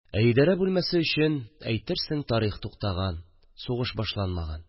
Ә идәрә бүлмәсе өчен әйтерсең тарих туктаган, сугыш башланмаган